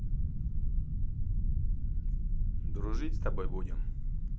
дружить с тобой будем